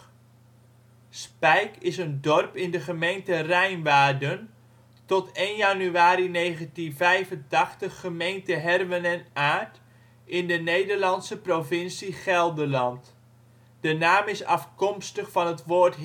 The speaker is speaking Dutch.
Spijk is een dorp in de gemeente Rijnwaarden (tot 1 januari 1985 gemeente Herwen en Aerdt) in de Nederlandse provincie Gelderland. De naam is afkomstig van het woord